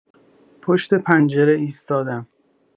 پشت پنجره ایستادم.